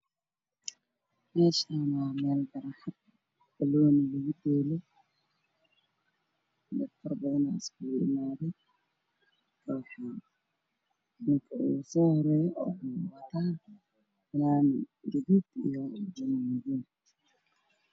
Meeshaan waa meel barxad oo banooni lugu dheelo dad faro badan ayaa iskugu imaaday, ninka ugu soo horeeyo waxuu wataa fanaanad gaduudan iyo surwaal madow ah.